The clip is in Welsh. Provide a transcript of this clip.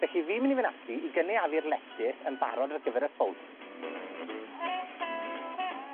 Felly, fi myn' i fynd ati i gynaeafu'r letys yn barod ar gyfer y ffowls.